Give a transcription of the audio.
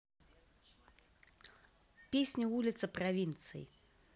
песня улица провинций